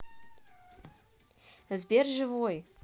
сбер живой